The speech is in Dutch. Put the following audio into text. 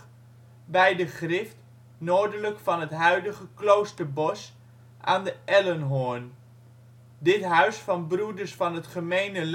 bij de Grift noordelijk van het huidige Kloosterbos aan de Ellenhoorn. Dit huis van Broeders van het Gemene